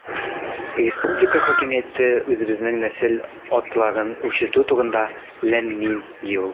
Республика хакимияте үзебезнең нәсел атларын үрчетү турында– ләм-мим, ди ул.